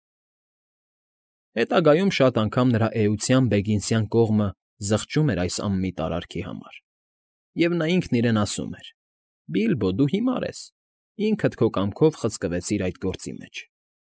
Հետագայում շատ անգամ նրա էության բեգինսյան կողմը զղջում էր այս անմիտ արարքի համար, և նա ինքն իրեն ասում էր. «Բիլբո, դու հիմար ես, ինքդ քո կամքով խցկվեցիր այդ գործի մեջ»։ ֊